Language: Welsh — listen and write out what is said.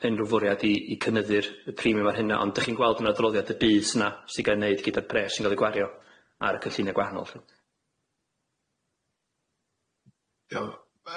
unrhyw fwriad i i cynyddu'r y premium ar hynna ond 'da chi'n gweld yn adroddiad y bys 'na sy ga'l neud gyda'r pres sy'n ca'l ei gwario ar y cylline gwahanol lly.